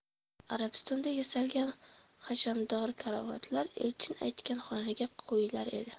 arabistonda yasalgan hashamdor karavotlar elchin aytgan xonaga qo'yilib edi